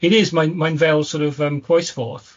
It is, mae'n mae'n fel sort of croesffordd.